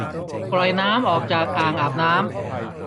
ปล่อยน้ำออกจากอ่างอาบน้ำ